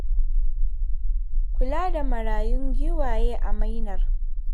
Kula da marayun giwaye a Myanmar